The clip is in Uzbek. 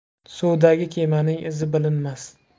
suvdagi kemaning izi bilinmas